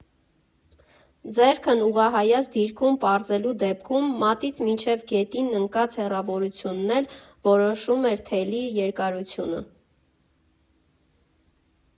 Ձեռքն ուղղահայաց դիրքում պարզելու դեպքում մատից մինչև գետինն ընկած հեռավորությունն էլ որոշում էր թելի երկարությունը։